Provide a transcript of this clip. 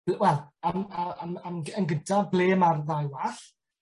l- wel am a- yym am yn gyntaf ble ma'r ddau wall